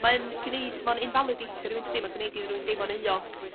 Mae'n gneud... Mae o'n infalideitio rywun dydi? Ma'n gneud i rywun deimlo'n euog